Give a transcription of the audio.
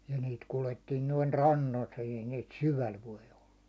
ja niitä kuljettiin noin rannoilta ei niitä syvällä voi olla